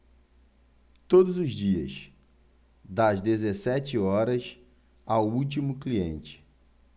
todos os dias das dezessete horas ao último cliente